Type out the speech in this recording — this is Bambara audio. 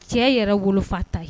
Cɛ yɛrɛ wolofa ta ye.